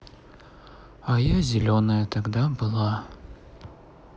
а я зеленая тогда была